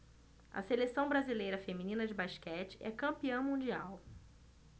a seleção brasileira feminina de basquete é campeã mundial